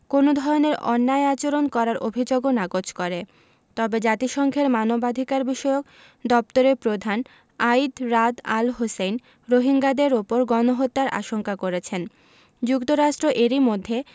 কোনো ধরনের অন্যায় আচরণ করার অভিযোগও নাকচ করে তবে জাতিসংঘের মানবাধিকারবিষয়ক দপ্তরের প্রধান আয়িদ রাদ আল হোসেইন রোহিঙ্গাদের ওপর গণহত্যার আশঙ্কা করেছেন যুক্তরাষ্ট্র এরই মধ্যে